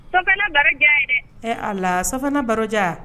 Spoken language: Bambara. So barojɛ yɛrɛ ee a la sabananfana barojan